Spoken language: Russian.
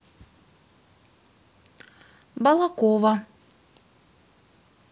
балаково